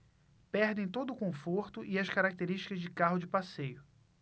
perdem todo o conforto e as características de carro de passeio